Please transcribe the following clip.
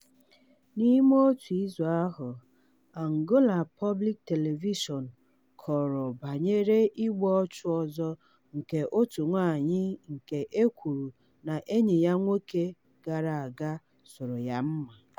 N'ime otu izu ahụ, Angola Public Television kọrọ banyere igbu ọchụ ọzọ nke ótù nwaanyị nke e kwuru na enyi ya nwoke gara aga sụrụ ya mmà.